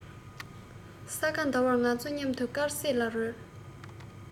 ས ག ཟླ བར ང ཚོ མཉམ དུ དཀར ཟས ལ རོལ